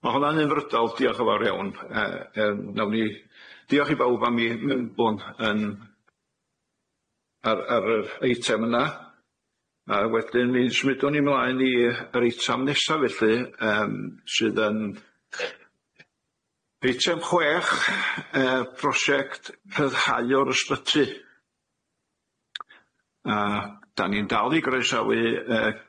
Ma' honna'n unfrydol, diolch yn fawr iawn, y- yym nawn ni diolch i bawb am i mewnbwn yn ar ar yr eitem yna, a wedyn mi symudwn ni mlaen i yr eitem nesa felly yym sydd yn eitem chwech y prosiect rhyddhau o'r Ysbyty, a dan ni'n dal i groesawu y-